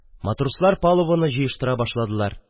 Матрослар палубаны җыештыра да башладылар